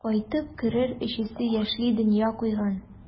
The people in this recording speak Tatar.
Кайтып керер өчесе яшьли дөнья куйган.